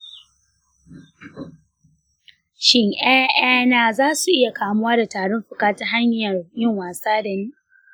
shin ’ya’yana za su iya kamuwa da tarin fuka ta hanyar yin wasa da ni?